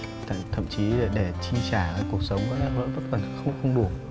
thậm chí để chi trả cuộc sống vẫn còn không đủ